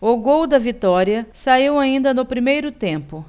o gol da vitória saiu ainda no primeiro tempo